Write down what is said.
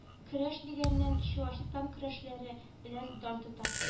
Көрәш дигәннән чуашстан көрәшчеләре белән дан тота